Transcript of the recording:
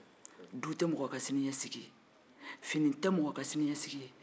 du tɛ mɔgɔ ka siniɲɛsigi ye fini tɛ mɔgɔ ka siniɲɛsigi ye